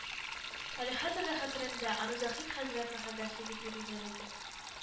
Әле хәзер дә хәтерендә, аны Заһид хәзрәт мәхәлләсе дип йөриләр иде